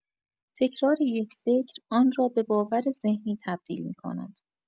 تکرار یک فکر، آن را به باور ذهنی تبدیل می‌کند.